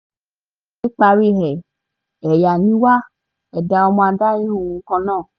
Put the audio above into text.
Paríparí ẹ̀, èèyàn ni wá, ẹ̀dá ọmọ adáríhurun kan náà.